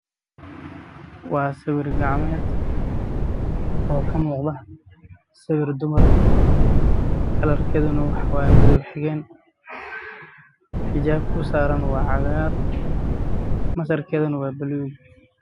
Waa sawir gacmeed uu ka muuqdo sawir dumar ah